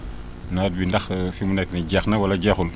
nawet bi ndax fi mu nekk nii jeex na wala jeexul